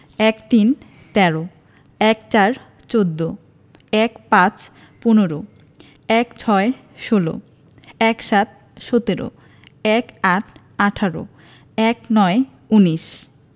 ১৩ - তেরো ১৪ - চৌদ্দ ১৫ – পনেরো ১৬ - ষোল ১৭ - সতেরো ১৮ - আঠারো ১৯ - উনিশ